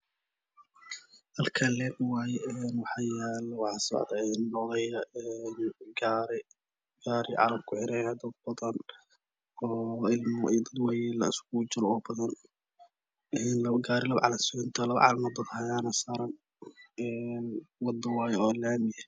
Halakaan laami waye waxaa maraayo lo iyo gaari Calan ku xiran yahay dadbadan iskugi jira oo badan kapa gaari oo calan wada waayo oo laami ah